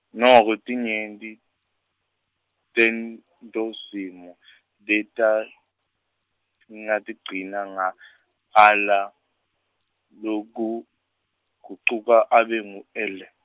noko tinyenti tentosimo , deta- , ngagcini nga , ala logucuka abe ngu ele.